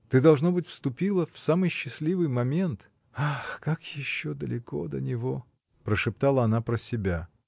Ты, должно быть, вступила в самый счастливый момент. — Ах, как еще далеко до него! — прошептала она про себя.